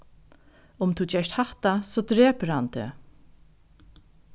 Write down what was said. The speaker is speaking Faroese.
um tú gert hatta so drepur hann teg